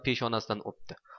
peshonasidan o'pdi